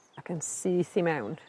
Ac yn syth i mewn.